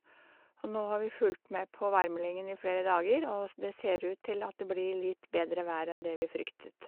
Og nå har vi fulgt med på værmeldingen i flere dager, og s det ser ut til at det blir litt bedre vær enn det vi fryktet.